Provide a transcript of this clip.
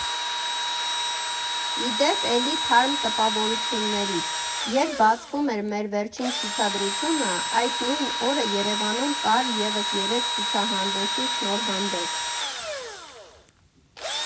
Ի դեպ, էլի թարմ տպավորություններից՝ երբ բացվում էր մեր վերջին ցուցադրությունը, այդ նույն օրը Երևանում կար ևս երեք ցուցահանդեսի շնորհանդես։